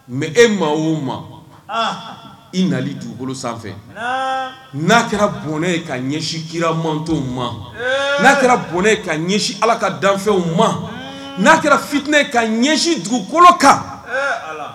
Mɛ e ma o ma i nali dugukolo sanfɛ n'a kɛra bɔnɛ ka ɲɛsin kira mantw ma n'a kɛra bonɛ ka ɲɛsin ala ka danfɛnw ma n'a kɛra fitinɛ ka ɲɛsin dugukolo kan ala